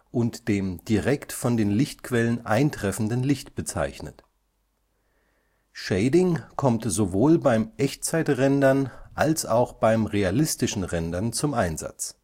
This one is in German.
und dem direkt von den Lichtquellen eintreffenden Licht bezeichnet. Shading kommt sowohl beim Echtzeitrendern als auch beim realistischen Rendern zum Einsatz